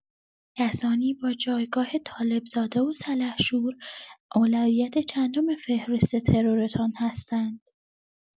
کسانی با جایگاه طالب‌زاده و سلحشور اولویت چندم فهرست ترورتان هستند؟